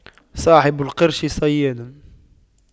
صاحب القرش صياد